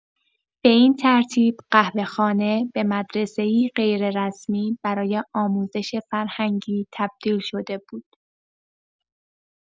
به این ترتیب، قهوه‌خانه به مدرسه‌ای غیررسمی برای آموزش فرهنگی تبدیل شده بود.